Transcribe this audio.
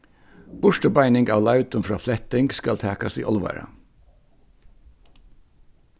burturbeining av leivdum frá fletting skal takast í álvara